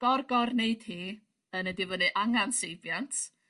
...gor gor neud hi yna dwi fynnu angan seibiant